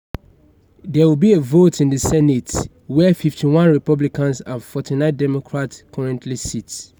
There will be a vote in the Senate, where 51 Republicans and 49 Democrats currently sit.